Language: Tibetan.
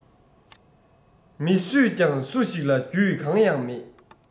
མི སུས ཀྱང སུ ཞིག ལ རྒྱུད གང ཡང མེད